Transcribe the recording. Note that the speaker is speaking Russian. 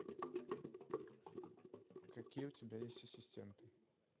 какие у тебя есть ассистенты